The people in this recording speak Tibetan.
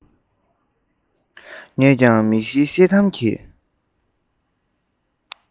ངས ཀྱང མིག ཤེལ ཤེལ དམ གྱི